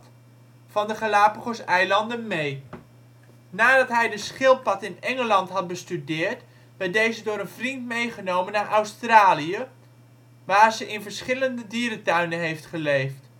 van de Galapagoseilanden mee. Nadat hij de schildpad in Engeland had bestudeerd, werd deze door een vriend meegenomen naar Australië, waar ze in verschillende dierentuinen heeft geleefd